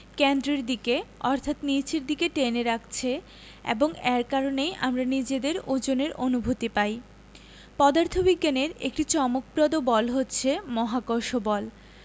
কেন্দ্রের দিকে অর্থাৎ নিচের দিকে টেনে রেখেছে এবং এর কারণেই আমরা নিজেদের ওজনের অনুভূতি পাই পদার্থবিজ্ঞানের একটি চমকপ্রদ বল হচ্ছে মহাকর্ষ বল